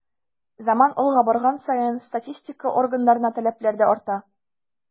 Заман алга барган саен статистика органнарына таләпләр дә арта.